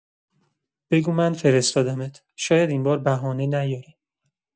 بگو من فرستادمت، شاید این بار بهانه نیاره.